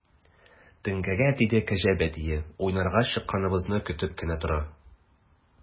Теңкәгә тиде кәҗә бәтие, уйнарга чыкканыбызны көтеп кенә тора.